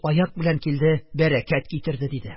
Аяк белән килде, бәрәкәт китерде, - диде.